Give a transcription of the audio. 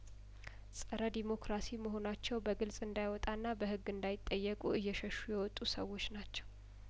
ጸረ ዴሞክራሲ መሆናቸው በግልጽ እንዳይወጣና በህግ እንዳይጠየቁ እየሸሹ የወጡ ሰዎች ናቸው